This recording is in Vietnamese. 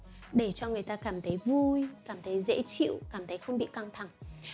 để cho người ta cảm thấy vui cảm thấy dễ chịu thấy không bị căng thẳng